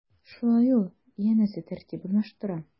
Шулай ул, янәсе, тәртип урнаштыра.